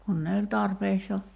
kun ne oli tarpeeksi jo